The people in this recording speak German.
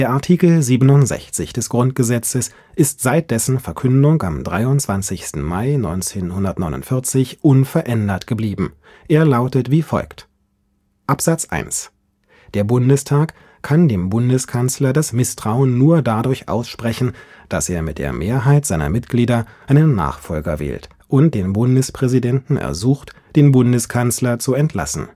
Artikel 67 des Grundgesetzes ist seit dessen Verkündung am 23. Mai 1949 unverändert geblieben, er lautet wie folgt: Artikel 67 (1) Der Bundestag kann dem Bundeskanzler das Misstrauen nur dadurch aussprechen, dass er mit der Mehrheit seiner Mitglieder einen Nachfolger wählt und den Bundespräsidenten ersucht, den Bundeskanzler zu entlassen